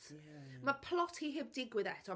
Ie, ie. Mae plot hi heb digwydd eto.